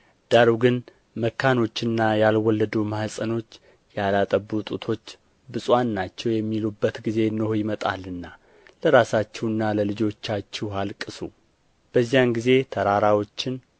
ዳሩ ግን መካኖችና ያልወለዱ ማኅፀኖች ያላጠቡ ጡቶችም ብፁዓን ናቸው የሚሉበት ጊዜ እነሆ ይመጣልና ለራሳችሁና ለልጆቻችሁ አልቅሱ በዚያን ጊዜ ተራራዎችን